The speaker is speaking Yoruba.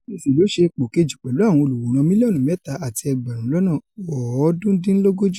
ABC ló ṣe ipò kejì pẹ̀lú àwọn olùwòran mílíọ̀nù mẹ́ta àti ẹgbẹ̀rún lọ́nà ọ̀ọ́dúndínlógójì.